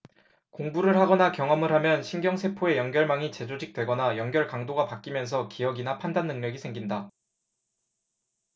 공부를 하거나 경험을 하면 신경세포의 연결망이 재조직되거나 연결 강도가 바뀌면서 기억이나 판단 능력이 생긴다